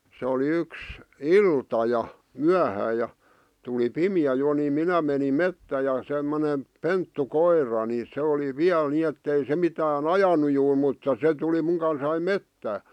se oli yksi ilta ja myöhään ja tuli pimeä jo niin minä menin metsään ja semmoinen pentukoira niin se oli vielä niin että ei se mitään ajanut juuri mutta se tuli minun kanssani metsään